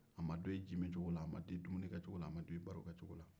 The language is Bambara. a ma dɔn e ji min cogo la a ma dɔn dumunikɛ cogo la a ma dɔ barokɛ cogo la